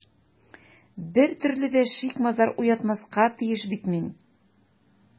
Бер төрле дә шик-мазар уятмаска тиеш бит мин...